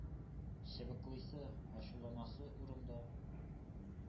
Чыбыклыйсы, ачуланасы урында,